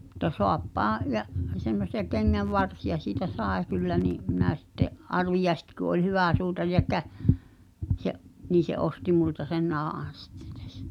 mutta saappaan ja semmoisia kengänvarsia siitä sai kyllä niin minä sitten Arvi Jääski kun oli hyvä suutari ja - se niin se osti minulta sen nahan sitten tässä